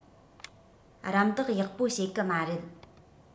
རམས འདེགས ཡག པོ བྱེད གི མ རེད